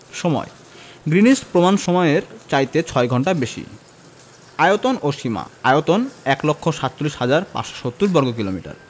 সময়ঃ গ্রীনিচ প্রমাণ সমইয়ের চাইতে ৬ ঘন্টা বেশি আয়তন ও সীমাঃ আয়তন ১লক্ষ ৪৭হাজার ৫৭০বর্গকিলোমিটার